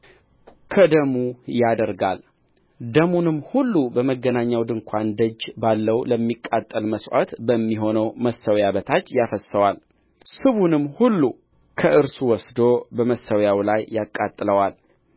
ከደሙ ያደርጋል ደሙንም ሁሉ በመገናኛው ድንኳን ደጅ ባለው ለሚቃጠል መሥዋዕት በሚሆነው መሠዊያ በታች ያፈስሰዋል ስቡንም ሁሉ ከእርሱ ወስዶ በመሠዊያው ላይ ያቃጥለዋል